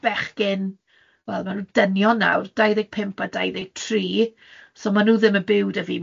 bechgyn, wel, maen nhw'n dynion nawr, dau ddeg pump a dau ddeg tri, so mae nhw ddim yn byw 'da fi,